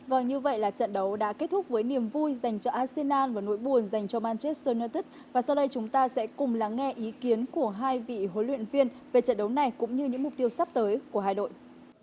vâng như vậy là trận đấu đã kết thúc với niềm vui dành cho át sê nan và nỗi buồn dành cho man chet tơ iu nai tứt và sau đây chúng ta sẽ cùng lắng nghe ý kiến của hai vị huấn luyện viên về trận đấu này cũng như những mục tiêu sắp tới của hai đội